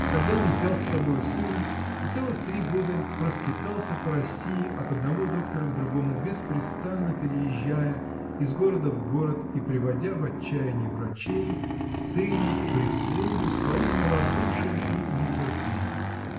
Тогда он взял с собою сына и целых три года проскитался по России от одного доктора к другому, беспрестанно переезжая из города в город и приводя в отчаяние врачей, сына, прислугу своим малодушием и нетерпением.